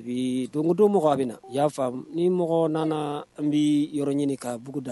Bi don don mɔgɔ a bɛ na i y'a fa ni mɔgɔ nana an bɛ yɔrɔ ɲini k ka buguda